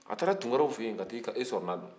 a taara tunkaraw fɛ yen t'a soronadon